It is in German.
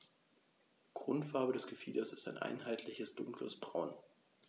Grundfarbe des Gefieders ist ein einheitliches dunkles Braun.